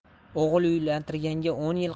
o'g'il uylantirganga o'n yil